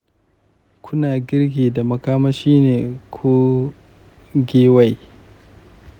kuna girki da makamashi ne ko gaywayi?